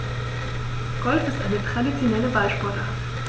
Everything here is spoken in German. Golf ist eine traditionelle Ballsportart.